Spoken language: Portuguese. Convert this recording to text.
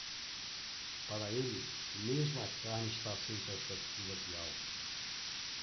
para ele mesmo a carne está sem perspectiva de alta